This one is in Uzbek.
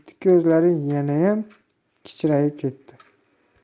mitti ko'zlari yanayam kichrayib ketdi